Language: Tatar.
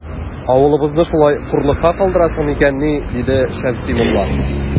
Авылыбызны шулай хурлыкка калдыртасың микәнни? - диде Шәмси мулла.